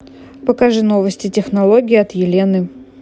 покажи новости технологии от елены